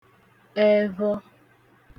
ẹfhọ